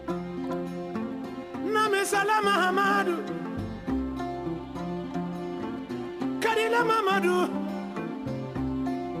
Misalamadu karila